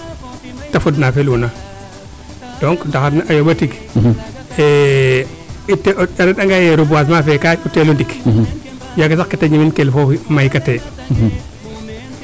te fod naa feluuna donc ndaxar ne a yoomba tig a reend anga yee reboisement fee kaa yaac u teelo ndik yaag sax keete gnimil kel foofu mayka te